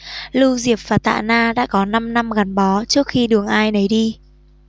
lưu diệp và tạ na đã có năm năm gắn bó trước khi đường ai nấy đi